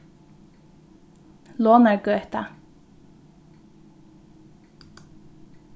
lonargøta